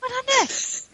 Yr hanes!